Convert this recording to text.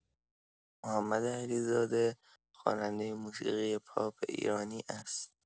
محمد علیزاده خواننده موسیقی پاپ ایرانی است.